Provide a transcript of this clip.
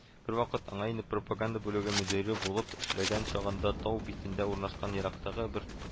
Бервакыт аңа инде пропаганда бүлеге мөдире булып эшләгән чагында тау битендә урнашкан ерактагы бер